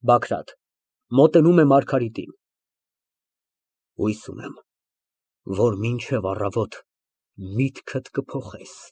ԲԱԳՐԱՏ ֊ (Մոտենում է Մարգարիտին)։ Հույս ունեմ, որ մինչև առավոտ միտքդ կփոխես։